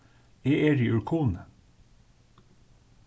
eg eri úr kunoy